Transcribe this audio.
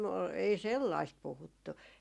ei sellaista puhuttu